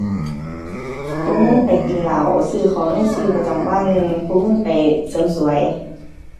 กู้เงินไปกินเหล้า ซื้อของในชีวิตประจำวัน กู้เงินไปเสริมสวย